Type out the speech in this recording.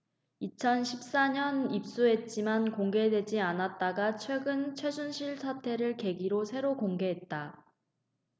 이천 십 사 년 입수했지만 공개되지 않았다가 최근 최순실 사태를 계기로 새로 공개했다